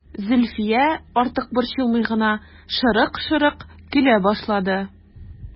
Зөлфия, артык борчылмый гына, шырык-шырык көлә башлады.